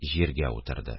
Җиргә утырды.